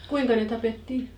kuinka ne tapettiin